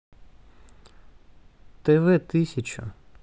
тв тысяча